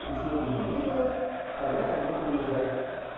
Почему бы то ни было, она ко мне привязалась.